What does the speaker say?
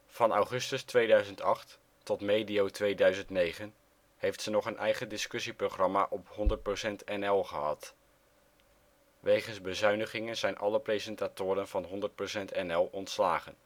Van augustus 2008 tot medio 2009 heeft ze nog een eigen discussieprogramma op 100 % NL gehad. Wegens bezuinigingen zijn alle presentatoren van 100 % NL ontslagen